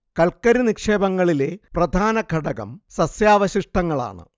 കൽക്കരി നിക്ഷേപങ്ങളിലെ പ്രധാന ഘടകം സസ്യാവശിഷ്ടങ്ങളാണ്